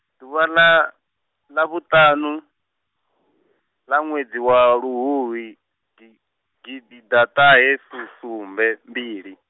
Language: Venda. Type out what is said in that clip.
ḓuvha ḽa, ḽa vhuṱaṋu ḽa ṅwedzi wa luhuhi, gi- gidiḓaṱahefusumbembili.